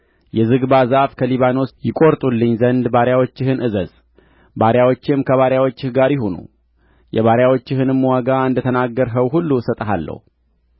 የዝግባ ዛፍ ከሊባኖስ ይቈርጡልኝ ዘንድ ባሪያዎችህን እዘዝ ባሪያዎቼም ከባሪያዎችህ ጋር ይሁኑ የባሪያዎችህንም ዋጋ እንደ ተናገርኸው ሁሉ እሰጥሃለሁ